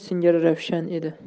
singari ravshan edi